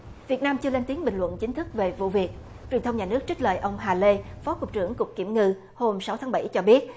việt nam chưa lên tiếng bình luận chính thức về vụ việc truyền thông nhà nước trích lời ông hà lê phó cục trưởng cục kiểm ngư hôm sáu tháng bảy cho biết